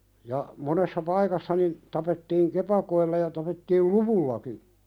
ja monessa paikassa niin tapettiin kepakoilla ja tapettiin luvullakin